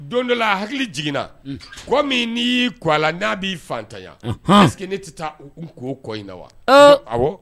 Don dɔ hakili jiginna kɔ min n'i y'i kɔ la n'a b'i fatanya ne tɛ taa ko kɔ in na wa a